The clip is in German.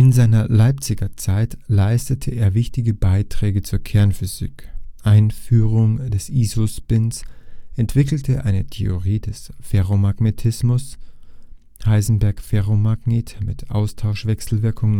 seiner Leipziger Zeit leistete er wichtige Beiträge zur Kernphysik (Einführung des Isospins), entwickelte eine Theorie des Ferromagnetismus (Heisenberg-Ferromagnet mit Austausch-Wechselwirkung